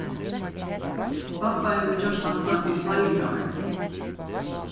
babba hevur gjørt hatta í fleiri ár